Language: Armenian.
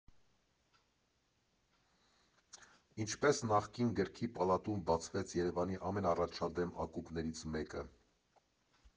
Ինչպես նախկին Գրքի պալատում բացվեց Երևանի ամենաառաջադեմ ակումբներից մեկը։